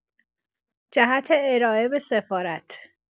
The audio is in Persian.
جهت ارائه به سفارت